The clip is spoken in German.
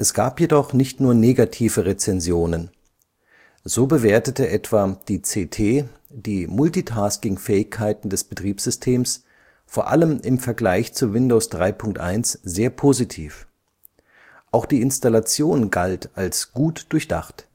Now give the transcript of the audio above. gab jedoch nicht nur negative Rezensionen; so bewertete etwa die c’ t die Multitaskingfähigkeiten des Betriebssystems vor allem im Vergleich zu Windows 3.1 sehr positiv. Auch die Installation galt als gut durchdacht